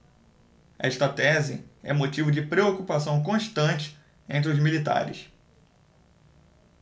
esta tese é motivo de preocupação constante entre os militares